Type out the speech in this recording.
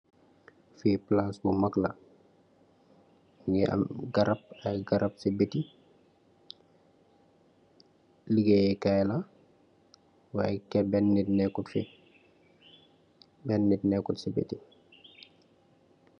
Fii palaas bu mak la, mungi am ay garap si biti, ligeyee kaay la, waay ben nit nekutfi, ben nit nekut si biti.